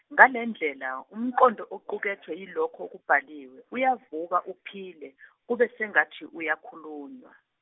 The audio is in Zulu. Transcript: ngalendlela umqondo oqukethwe yilokho okubhaliwe uyavuka uphile, kube sengathi uyakhulunywa.